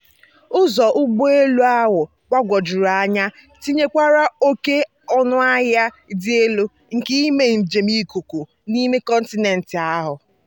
Ụzọ ụgbọelu ahụ gbagwojuru anya tinyekwara oke ọnụahịa dị elu nke ime njem ikuku n'ime kọntinent ahụ.